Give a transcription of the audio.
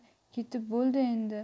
ketib bo'ldi endi